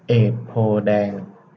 เอดโพธิ์แดง